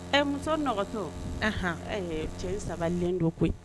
Ɛ musonɔkɔtɔ ɛɛ cɛw sabalilen do koyi